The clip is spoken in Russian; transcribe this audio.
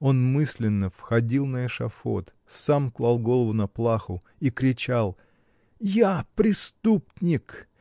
Он мысленно всходил на эшафот, сам клал голову на плаху и кричал: “Я преступник!.